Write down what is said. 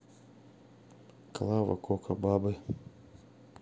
клава кока бабы